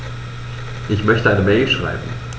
Ich möchte eine Mail schreiben.